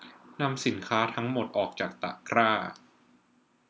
นำสินค้าทั้งหมดออกจากตะกร้า